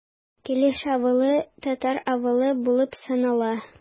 Келәш авылы – татар авылы булып санала.